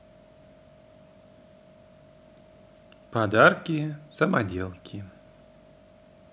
подарки самоделки